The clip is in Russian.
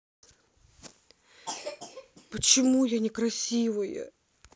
почему я некрасивая